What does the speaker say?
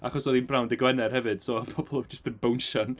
Achos oedd hi'n bnawn dydd Gwener hefyd, so oedd pobl jyst yn bowsian.